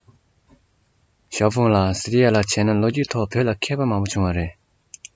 ཞའོ ཧྥུང ལགས ཟེར ཡས ལ བྱས ན ལོ རྒྱུས ཐོག བོད ལ མཁས པ མང པོ བྱུང བ རེད ཟེར གྱིས དེ འདྲ རེད པས